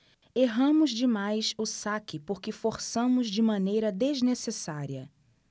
erramos demais o saque porque forçamos de maneira desnecessária